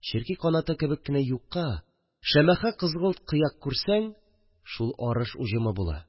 Черки канаты кебек кенә юка, шәмәхә-кызгылт кыяк күрсәң, шул арыш уҗымы була